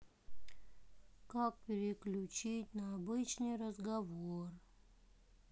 как переключить на обычный разговор